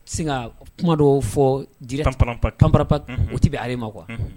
Sin ka kuma dɔw fɔ jirippp u tɛ bɛ a ma kuwa